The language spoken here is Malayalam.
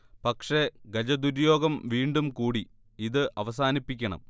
'പക്ഷേ ഗജദുരോഗ്യം വീണ്ടും കൂടി. ഇത് അവസാനിപ്പിക്കണം'